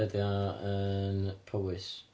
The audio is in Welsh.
Be dio yn Powys?